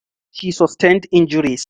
She sustained injuries.